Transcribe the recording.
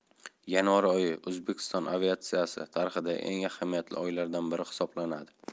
yanvar oyi o'zbekiston aviatsiyasi tarixidagi eng ahamiyatli oylardan biri hisoblanadi